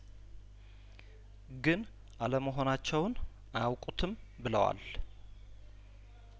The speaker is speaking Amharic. ግን አለመሆናቸውን አያውቁትም ብለዋል